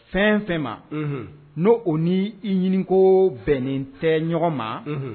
Fɛn fɛn ma n'o o ni i ɲiniko bɛnnen tɛ ɲɔgɔn ma